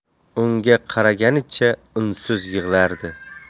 unga qaraganicha unsiz yig'lardi